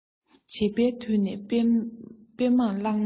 བྱིས པའི དུས ནས དཔེ མང བཀླགས ན ཡང